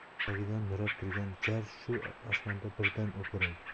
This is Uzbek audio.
tagidan nurab turgan jar shu asnoda birdan o'pirildi